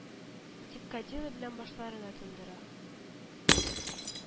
Дип, кадило белән башларына тондыра